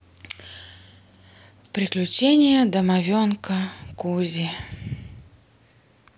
приключения домовенка кузи